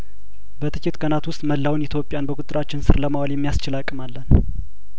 በጥቂት ቀናት ውስጥ መላውን ኢትዮጵያን በቁጥጥራችን ስር ለማዋል የሚያስችል አቅም አለን